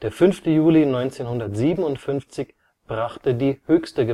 5. Juli 1957 brachte die höchste